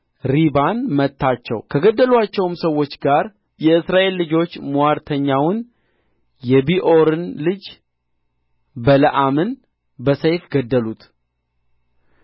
ሪባን መታቸው ከገደሉአቸውም ሰዎች ጋር የእስራኤል ልጆች ምዋርተኛውን የቢዖርን ልጅ በለዓምን በሰይፍ ገደሉት